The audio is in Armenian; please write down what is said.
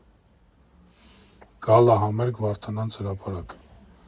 ԳԱԼԱ ՀԱՄԵՐԳ Վարդանանց հրապարակ։